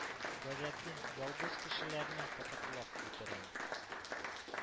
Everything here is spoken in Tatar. Гадәтем: ялгыз кешеләрне кытыклап үтерәм;